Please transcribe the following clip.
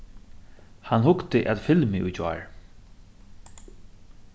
hann hugdi at filmi í gjár